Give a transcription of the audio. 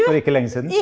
for ikke lenge siden.